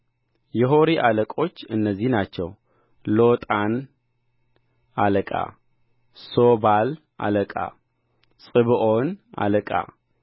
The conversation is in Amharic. የሖሪ አለቆች እነዚህ ናቸው ሎጣን አለቃ ሦባል አለቃ ፅብዖን አለቃ